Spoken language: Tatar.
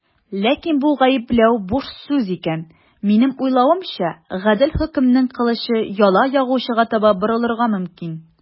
Ләкин бу гаепләү буш сүз икән, минем уйлавымча, гадел хөкемнең кылычы яла ягучыга таба борылырга мөмкин.